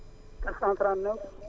439